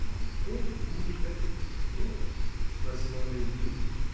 Но кто же будет этот “кто-то”? — спросил он ревниво.